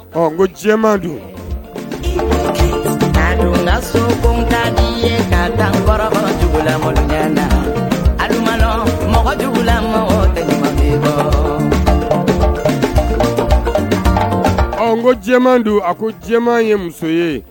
Dun a sotan ye ka jugu cɛman don a ko cɛman ye muso ye